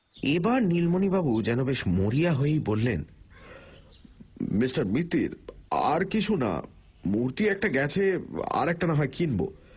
এবার নীলমণিবাবু যেন বেশ মরিয়া হয়েই বললেন মিস্টার মিত্তির আর কিছু না মূর্তি একটা গেছে আরেকটা না হয় কিনব